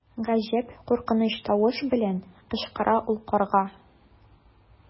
Гаҗәп куркыныч тавыш белән кычкыра ул карга.